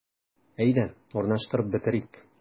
Әйдә, урнаштырып бетерик.